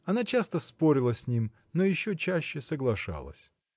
Она часто спорила с ним, но еще чаще соглашалась.